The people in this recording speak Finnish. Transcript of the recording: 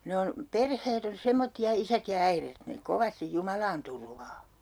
ne on perheet on semmoisia isät ja äidit ne kovasti Jumalaan turvaa